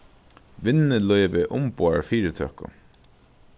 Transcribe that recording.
vinnulívið umboðar fyritøku